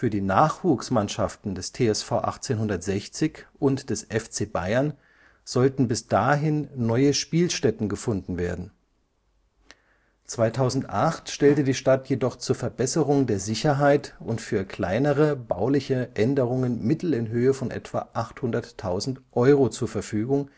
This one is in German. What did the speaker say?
die Nachwuchsmannschaften des TSV 1860 und des FC Bayern sollten bis dahin neue Spielstätten gefunden werden. 2008 stellte die Stadt jedoch zur Verbesserung der Sicherheit und für kleinere bauliche Änderungen Mittel in Höhe von ca. 800.000 Euro zur Verfügung